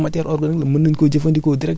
ba dem bay nëb ba kii noonu